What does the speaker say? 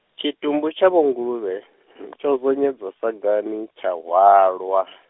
tshitumbu tsha Vho Nguluvhe , tsho zonyedzwa sagani, tsha hwala .